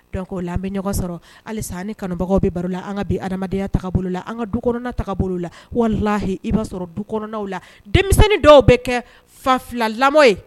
La an bɛ ɲɔgɔn sɔrɔ halisa ani kanubagaw bɛ baro la an bi adamadenyaya bolo la an ka dukɔrɔn bolo la wala lahi i'a sɔrɔ duɔrɔn la denmisɛnnin dɔw bɛ kɛ fa fila lamɔ ye